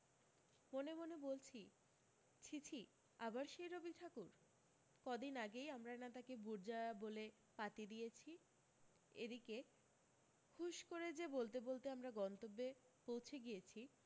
মনে মনে বলছি ছি ছি আবার সেই রবিঠাকুর কদিন আগেই আমরা না তাঁকে বুর্জায়া বলে পাঁতি দিয়েছি এদিকে হুস করে যে বলতে বলতে আমরা গন্তব্যে পৌঁছে গিয়েছি